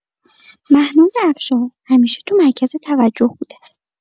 مهناز افشار همیشه تو مرکز توجه بوده.